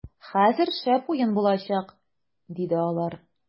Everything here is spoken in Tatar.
- хәзер шәп уен булачак, - диде алар.